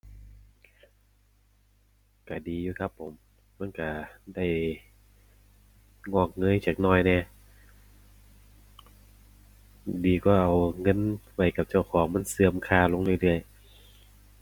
ก็ดีอยู่ครับผม มันก็ได้งอกเงยจักหน่อยแหน่ ดีกว่าเอาเงินไว้กับเจ้าของ มันเสื่อมค่าลงเรื่อยเรื่อย